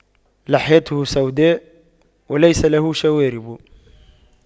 لحيته سوداء وليس له شوارب